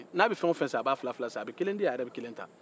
n'a bɛ fɛn o fɛn san a b'a bɛɛ filafilasan ka kelen di yan